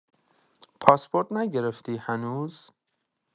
پاسپورت نگرفتی هنوز؟